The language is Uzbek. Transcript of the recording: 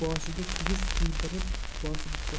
boshiga kigiz kuydirib bosibdi